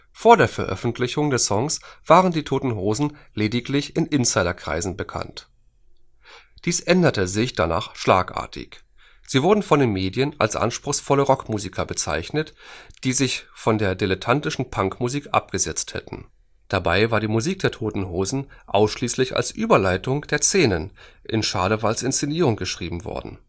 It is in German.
Vor der Veröffentlichung des Songs waren die Toten Hosen lediglich in Insiderkreisen bekannt. Dies änderte sich danach schlagartig. Sie wurden von den Medien als anspruchsvolle Rockmusiker bezeichnet, die sich von der dilettantischen Punkmusik abgesetzt hätten. Dabei war die Musik der Toten Hosen ausschließlich als Überleitung der Szenen in Schadewalds Inszenierung geschrieben worden